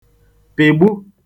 pị̀gbu